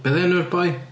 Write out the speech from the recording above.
Be oedd enw'r boi?